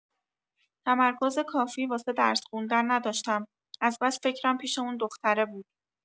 تمرکز کافی واسه درس خوندن نداشتم از بس فکرم پیش اون دختره بود.